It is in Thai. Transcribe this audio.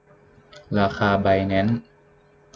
ราคาไบแนนซ์